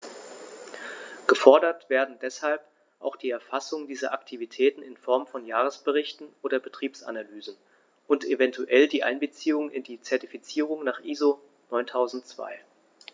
Gefordert werden deshalb auch die Erfassung dieser Aktivitäten in Form von Jahresberichten oder Betriebsanalysen und eventuell die Einbeziehung in die Zertifizierung nach ISO 9002.